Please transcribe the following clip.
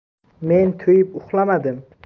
men to'yib uxlamadim